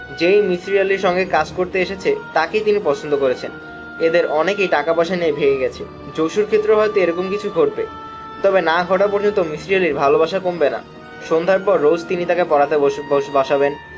যে-ই মিসির আলির সঙ্গে কাজ করতে এসেছে তাকেই তিনি পছন্দ করেছেন এদের অনেকেই টাকা-পয়সা নিয়ে ভেগে গেছে জসুর ক্ষেত্রেও হয়তাে এ রকম কিছু ঘটবে তবে না ঘটা পর্যন্ত মিসির আলির ভালােবাসা কমবে না সন্ধ্যার পর রােজ তিনি তাকে পড়াতে বসবেন